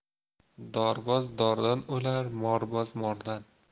dorboz dordan o'lar morboz mordan